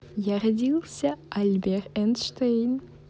я родился альбер энштейн